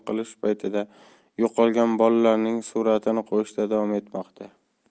qilish paytida yo'qolgan bolalarning suratini qo'yishda davom etmoqda